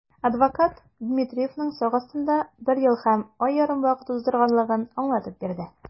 Адвокат Дмитриевның сак астында бер ел һәм ай ярым вакыт уздырганлыгын аңлатып бирде.